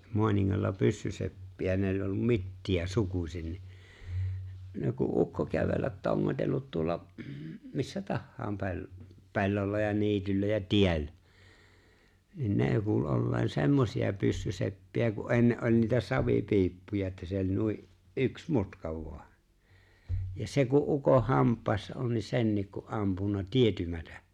Maaningalla pyssyseppiä ne oli ollut Mittiä sukuisin niin ne kun ukko kävellä tongotellut tuolla - missä tahansa - pellolla ja niityllä ja tiellä niin ne kuuli olleen semmoisia pyssyseppiä kun ennen oli niitä savipiippuja että se oli noin yksi mutka vain ja se kun ukon hampaissa on niin senkin kun ampunut tietymättä